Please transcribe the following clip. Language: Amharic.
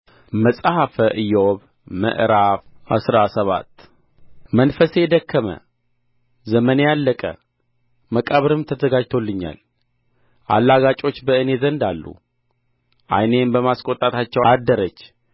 መጽሐፈ ኢዮብ ምዕራፍ አስራ ሰባት መንፈሴ ደከመ ዘመኔ አለቀ መቃብርም ተዘጋጅቶልኛል አላጋጮች በእኔ ዘንድ አሉ ዓይኔም በማስቈጣታቸው አደረች